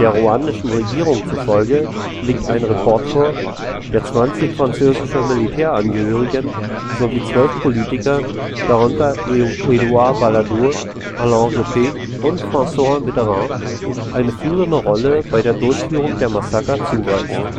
ruandischen Regierung zufolge liegt ein Report vor, der zwanzig französischen Militärangehörigen sowie zwölf Politikern, darunter Edouard Balladur, Alain Juppé und Francois Mitterrand, eine führende Rolle bei der Durchführung der Massaker zuweist